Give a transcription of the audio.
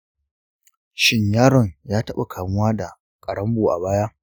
shin yaron ya taɓa kamuwa da ƙaronbo a baya?